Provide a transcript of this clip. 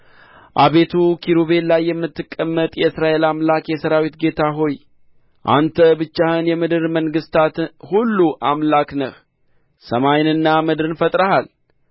አቤቱ በኪሩቤል ላይ የምትቀመጥ የእስራኤል አምላክ የሠራዊት ጌታ ሆይ አንተ ብቻህን የምድር መንግሥታት ሁሉ አምላክ ነህ ሰማይንና ምድርን ፈጥረሃል